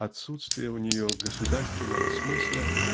отсутствие у нее государственного смысла